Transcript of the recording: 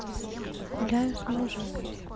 гуляю с мужем